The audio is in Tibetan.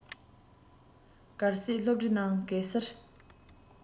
གལ སྲིད སློབ གྲྭའི ནང གེ སར